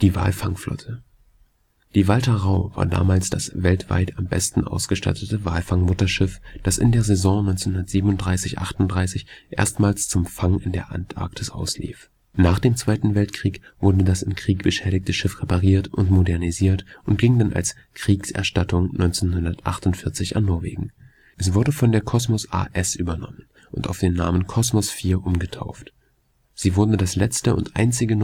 Walfangflotte Walfangboot Rau IX im Deutschen Schiffahrtsmuseum Bremerhaven Die Walter Rau war damals das weltweit am besten ausgestattete Walfangmutterschiff, das in der Saison 1937 – 38 erstmals zum Fang in die Antarktis auslief. Nach dem Zweiten Weltkrieg wurde das im Krieg beschädigte Schiff repariert und modernisiert und ging dann als Kriegserstattung 1948 an Norwegen. Es wurde von der „ Kosmos A/S “übernommen und auf den Namen Kosmos IV umgetauft. Sie wurde das letzte und einzige